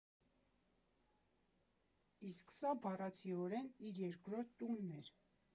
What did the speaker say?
Իսկ սա բառացիորեն իր երկրորդ տունն էր։